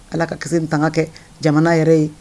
Ala ka ki nin tanga kɛ jamana yɛrɛ ye